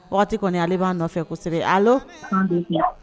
Waati kɔni ale b'a nɔfɛ kosɛbɛ ala